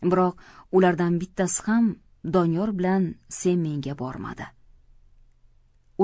biroq ulardan bittasi ham doniyor bilan senmenga bormadi